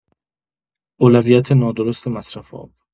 اولویت نادرست مصرف آب